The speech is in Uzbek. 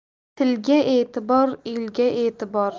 tilga e'tibor elga e'tibor